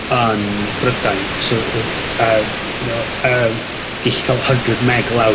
yn Brydain, so odd a you know yym gellu ca'l hundred meg lawr